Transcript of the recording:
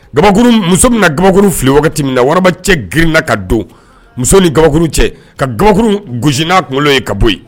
Kabakuru, muso bɛna kabakuru fili wagati min na, warabacɛ girinna ka don muso ni kabakuru cɛ ka kabakuru gosi n' a kunkolo ye